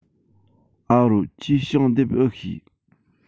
ཨ རོ ཁྱོས ཞིང འདེབས འུ ཤེས